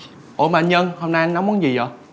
ồ mà anh nhân hôm nay anh nấu món gì dợ